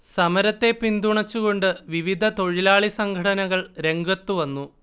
സമരത്തെ പിന്തുണച്ചുകൊണ്ട് വിവിധ തൊഴിലാളി സംഘടനകൾ രംഗത്തു വന്നു